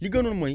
li gënoon mooy